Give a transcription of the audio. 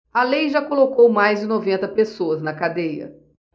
a lei já colocou mais de noventa pessoas na cadeia